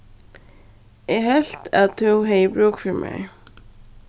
eg helt at tú hevði brúk fyri mær